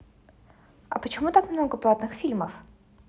а почему так много платных фильмов